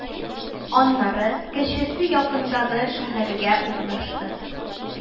Аннары кечесе якындагы шәһәргә урнашты